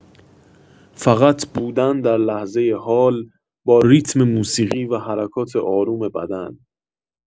فقط بودن در لحظه حال، با ریتم موسیقی و حرکات آروم بدن.